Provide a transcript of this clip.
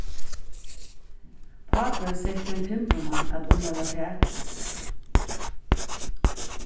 pápi setti ein timburmann at umvæla takið